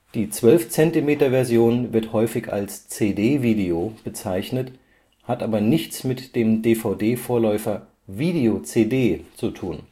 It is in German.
Die 12-cm-Version wird häufig als CD Video bezeichnet, hat aber nichts mit dem DVD-Vorläufer Video-CD zu tun